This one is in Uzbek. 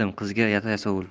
yetim qizga yasovul